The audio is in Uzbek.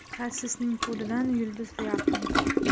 xasisning pulidan yulduz yaqin